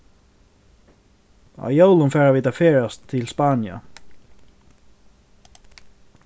á jólum fara vit at ferðast til spania